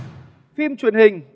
phim truyền hình